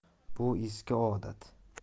bu eski odat